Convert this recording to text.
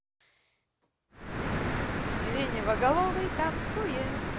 сиреноголовый танцует